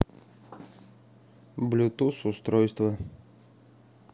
блютуз устройства